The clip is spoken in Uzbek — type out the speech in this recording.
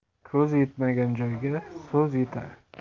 ko'z yetmagan joyga so'z yetar